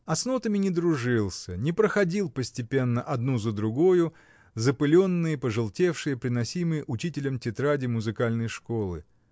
А с нотами не дружился, не проходил постепенно одну за другою запыленные, пожелтевшие, приносимые учителем тетради музыкальной школы.